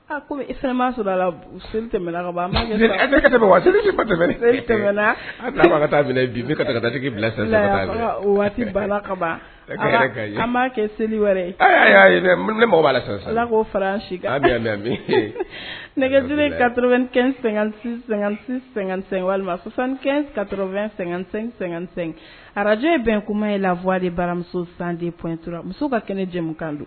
A ko fɛn sɔrɔ la seli'a kɛ seli wɛrɛ ko nɛgɛ walima-- sɛgɛnsɛ arajo ye bɛn kuma ye la fɔ de baramuso san de ptura muso ka kɛnɛ jɛmu kan don